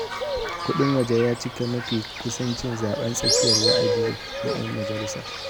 Kuɗin waje ya cika mafi kusancin zaben tsakiyar wa’adi na ‘yan majalisa